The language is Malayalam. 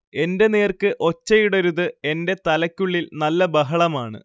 എന്റെ നേർക്ക്ഒച്ചയിടരുത് എന്റെ തലയ്ക്കുള്ളിൽ നല്ല ബഹളമാണ്